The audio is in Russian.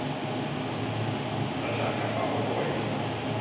прожарка павла воли